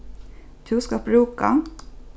tú skalt brúka